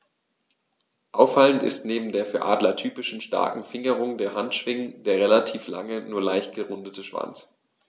Auffallend ist neben der für Adler typischen starken Fingerung der Handschwingen der relativ lange, nur leicht gerundete Schwanz.